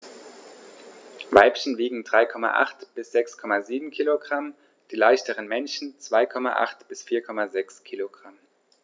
Weibchen wiegen 3,8 bis 6,7 kg, die leichteren Männchen 2,8 bis 4,6 kg.